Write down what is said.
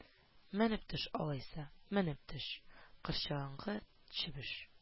Менеп төш алайса, менеп төш, корчаңгы чебеш